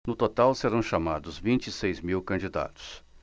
no total serão chamados vinte e seis mil candidatos